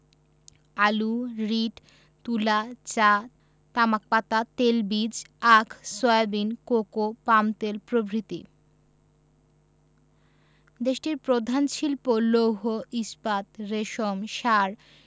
আলু রীট তুলা চা তামাক পাতা তেলবীজ আখ সয়াবিন কোকো পামতেল প্রভৃতি দেশটির প্রধান শিল্প লৌহ ইস্পাত রেশম সার